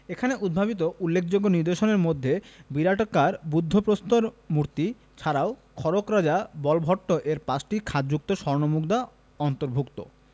এখানে উদ্ভাবিত উল্লেখযোগ্য নিদর্শনের মধ্যে বিরাটকায় বুদ্ধ প্রস্তর মূর্তি ছাড়াও খড়গ রাজা বলভট্ট এর পাঁচটি খাদযুক্ত স্বর্ণমুদ্রা অন্তর্ভুক্ত